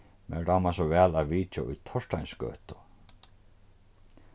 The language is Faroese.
mær dámar so væl at vitja í torsteinsgøtu